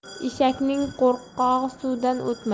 eshakning qo'rqog'i suvdan o'tmas